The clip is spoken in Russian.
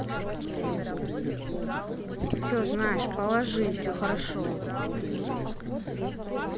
все знаешь положи все хорошо